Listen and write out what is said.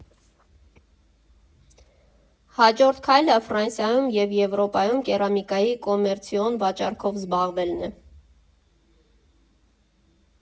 Հաջորդ քայլը Ֆրանսիայում և Եվրոպայում կերամիկայի կոմերցիոն վաճառքով զբաղվելն է։